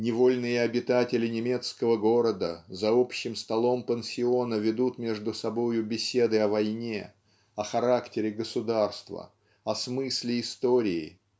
Невольные обитатели немецкого города за общим столом пансиона ведут между собою беседы о войне о характере государства о смысле истории